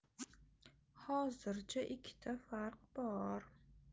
hozircha ikkita farq bor